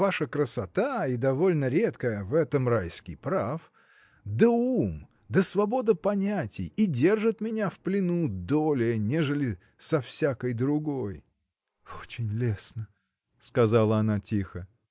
Ваша красота, и довольно редкая, — в этом Райский прав — да ум, да свобода понятий — и держат меня в плену долее, нежели со всякой другой! — Очень лестно! — сказала она тихо.